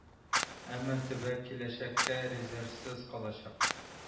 Әмма төбәк киләчәккә резервсыз калачак